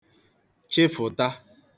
chịfụ̀ta